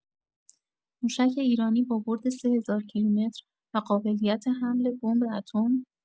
موشک ایرانی با برد سه‌هزار کیلومتر و قابلیت حمل بمب اتم؟